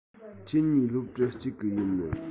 ཁྱེད གཉིས སློབ གྲྭ གཅིག གི ཡིན ནམ